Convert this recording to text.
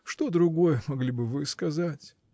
Что другое могли бы вы сказать?